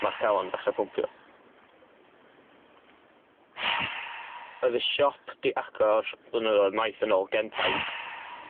ma'r calon ddechre pwmpio. Oedd y siop 'di agor blynyddoedd maith yn ôl gen taid.